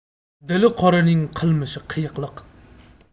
dili qoraning qilmishi qiyiqlik